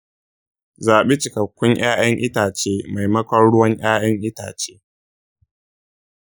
zabi cikakkun ’ya’yan itace maimakon ruwan ’ya’yan itace.